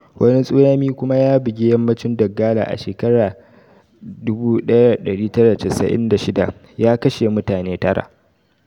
Wani tsunami kuma ya bugi yammacin Donggala a shekarar 1996, ya kashe mutane tara.